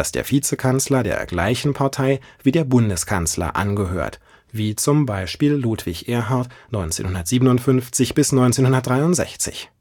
der Vizekanzler der gleichen Partei wie der Bundeskanzler angehört (wie zum Beispiel Ludwig Erhard 1957 – 1963